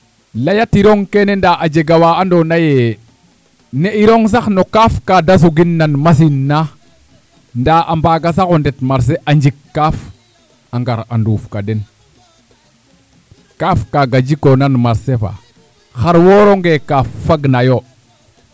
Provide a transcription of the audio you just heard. layatirong keene ndaa a jega wa andoona yee ni'irong sax no kaaf ka de sugina machine na ndaa a mbaaga sax o ndet marcher a njik kaaf a ngar a nduuf ka den kaaf kaaga jikoona marcher faa xar wooronge kaaf fagna yo